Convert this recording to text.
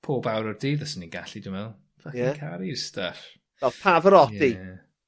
pob awr o'r dydd os o'n i'n gallu dwi meddwl. Ie? Ffycin caru'r stuff. Fel Pavarotti. Ie.